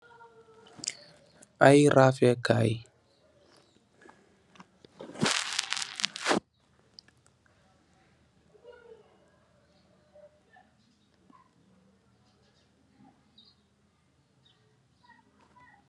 Aye raafee kaay.